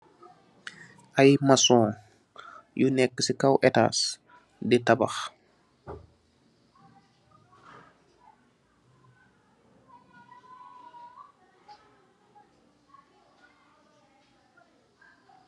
Aye mashion, yu nek si kaw etaas, di tabakh.